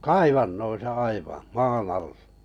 kaivannoissa aivan maan alla